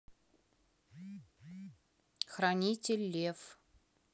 хранитель лев